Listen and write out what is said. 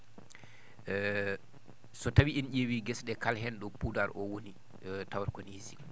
so tawii en ?eewii gese ?ee kala heen ?o puudar o woni tawa kono hisi